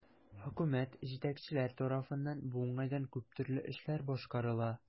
Хөкүмәт, җитәкчеләр тарафыннан бу уңайдан күп төрле эшләр башкарыла.